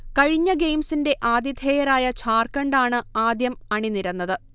കഴിഞ്ഞ ഗെയിംസിന്റെ ആതിഥേയരായ ജാർഖണ്ഡാണ് ആദ്യം അണിനിരന്നത്